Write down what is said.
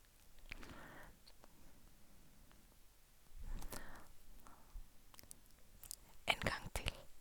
En gang til.